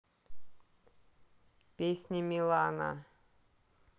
песня милана